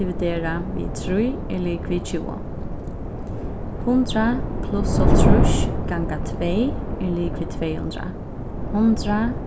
dividerað við trý er ligvið tjúgu hundrað pluss hálvtrýss ganga tvey er ligvið tvey hundrað hundrað